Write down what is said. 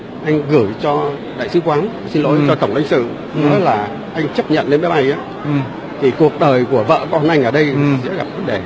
anh gửi cho đại sứ quán xin lỗi cho tổng lãnh sự đó là anh chấp nhận lên máy bay thì cuộc đời của vợ con anh ở đây sẽ là để